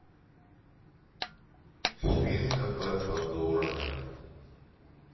свинка пеппа дура